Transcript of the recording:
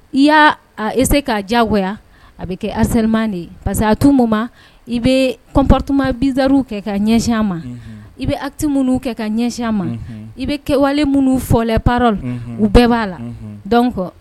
I y'a ese k'a diyagoya a bɛ kɛ a seman de ye parce que a tu ma i bɛ kɔnptumama bizsariw kɛ ka ɲsinya ma i bɛ ati minnu kɛ ka ɲɛsinya ma i bɛ kɛwale minnu fɔlɛ pa u bɛɛ b'a la dɔn kɔ